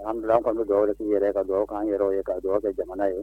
An bila ka dɔw aw yɛrɛ ka dugawu k'an yɛrɛ ye ka dugawu kɛ jamana ye